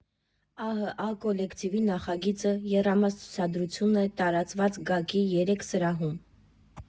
ԱՀԱ կոլեկտիվի նախագիծը եռամաս ցուցադրություն է՝ տարածված ԳԱԿ֊ի երեք սրահում։